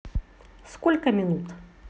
сколько минут